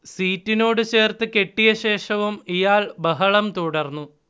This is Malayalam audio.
സീറ്റിനോട് ചേർത്ത് കെട്ടിയ ശേഷവും ഇയാൾ ബഹളം തുടർന്നു